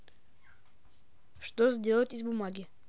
что сделать из бумаги